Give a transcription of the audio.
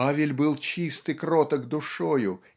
Авель был чист и кроток душою